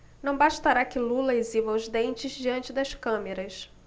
não bastará que lula exiba os dentes diante das câmeras